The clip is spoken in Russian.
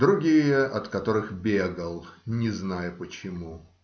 другие - от которых бегал, не зная почему.